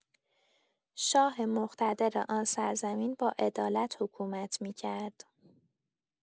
شاه مقتدر آن سرزمین با عدالت حکومت می‌کرد.